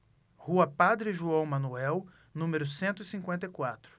rua padre joão manuel número cento e cinquenta e quatro